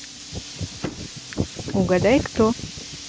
угадай кто